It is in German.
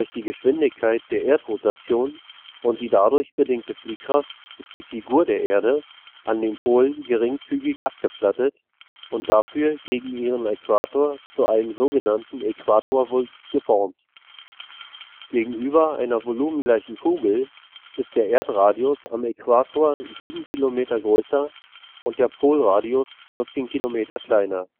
die Geschwindigkeit der Erdrotation und die dadurch bedingte Fliehkraft ist die Figur der Erde an den Polen geringfügig abgeplattet und dafür gegen ihren Äquator zu einem sogenannten Äquatorwulst verformt. Gegenüber einer volumengleichen Kugel ist der Erdradius am Äquator 7 Kilometer größer und der Polradius 14 Kilometer kleiner